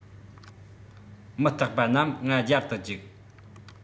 མུ སྟེགས པ རྣམས ང རྒྱལ དུ བཅུག